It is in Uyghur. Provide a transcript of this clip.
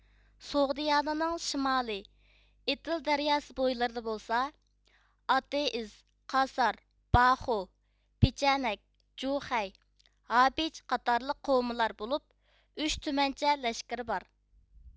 سوغدىيانىنىڭ شىمالى ئېتىل دەرياسى بويلىرىدا بولسا ئاتېئىز قاسار باخۇ پېچەنەك جۇخەي ھابېچقاتارلىق قوۋملار بولۇپ ئۈچ تۈمەنچە لەشكىرى بار